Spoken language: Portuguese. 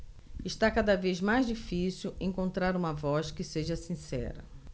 está cada vez mais difícil encontrar uma voz que seja sincera